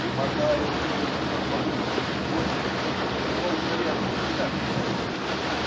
И мотается мой Семен бобылем до сего дня -- сколько лет, и считать противно.